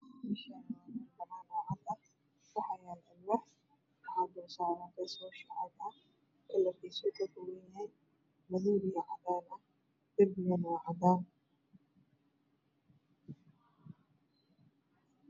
Meeshaan waa meel banaan ah oo cad ah waxaa yaalo alwaax waxaa dulsaaran fash woosh kalarkiisu yahay Madow iyo cadaan darbigana waa cadaan.